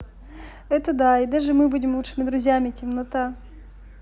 это да и даже мы будем лучшими друзьями темнота